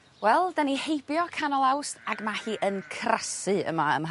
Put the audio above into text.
Wel 'dan ni heibio canol Awst ag ma' hi yn crasu yma ym...